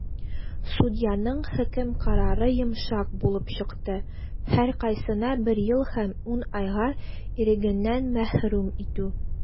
Судьяның хөкем карары йомшак булып чыкты - һәркайсына бер ел һәм 10 айга ирегеннән мәхрүм итү.